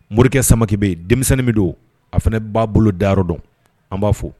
Morikɛ Samakɛ bɛ yen denmisɛnnin min don a fana b'a bolo dayɔrɔ dɔn, an b'a fo